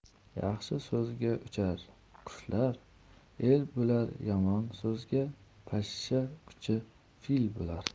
yaxshi so'zga uchar qushlar el bo'lar yomon so'zga pashsha kuchi fil bo'lar